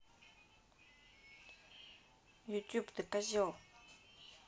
youtube ты козел